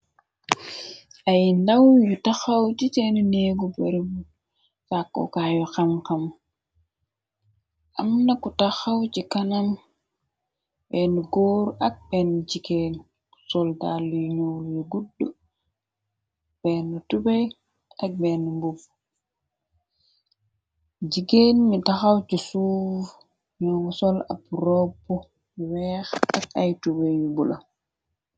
ay ndaw yu taxaw ci seenu néegu berb fàkkokaayu xamxam amna ko taxaw ci kanam been góor ak benn jikeen soldat luy ñoo lyu gudd benn tubey ak benn mbub jigéen mi taxaw ci suuf mingi sol ab ropp weex ak ay tube yu bula.